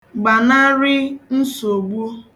Gbanarị nsogbu.